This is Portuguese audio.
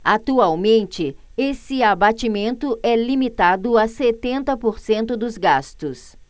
atualmente esse abatimento é limitado a setenta por cento dos gastos